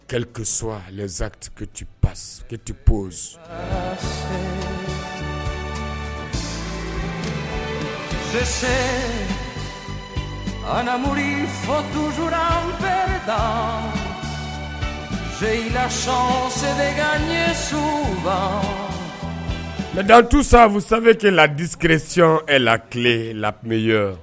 Kalilikeso zsatiketi pa keti p sesemuru fos te taa zelasɔn sen ka ɲɛ su la nka dan tu san sanfɛti ladiskiresi la tile la ye